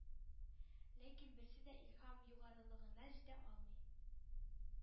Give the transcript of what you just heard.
Ләкин берсе дә илһам югарылыгына җитә алмый.